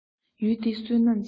ཡུལ འདི བསོད ནམས ཆེན པོ